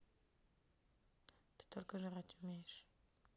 ты только жрать умеешь